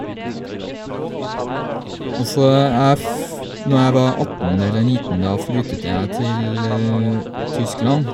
Og så jeg f når jeg var atten eller nitten da flyttet jeg til Tyskland.